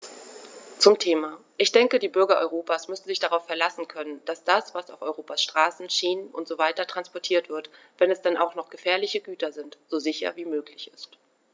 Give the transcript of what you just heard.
Zum Thema: Ich denke, die Bürger Europas müssen sich darauf verlassen können, dass das, was auf Europas Straßen, Schienen usw. transportiert wird, wenn es denn auch noch gefährliche Güter sind, so sicher wie möglich ist.